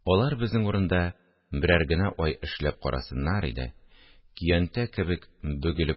Алар безнең урында берәр генә ай эшләп карасыннар иде, көянтә кебек бөгелеп